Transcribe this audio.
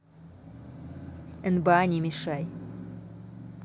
nba не мешай